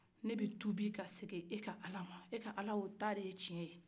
ne bɛ tubi ka segin e ka ala ta ma e ka o ta de ye tiɲɛ ye